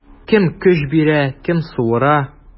Кем көч бирә, кем суыра.